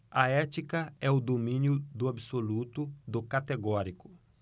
a ética é o domínio do absoluto do categórico